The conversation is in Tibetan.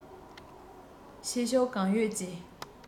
ཤེད ཤུགས གང ཡོད ཀྱིས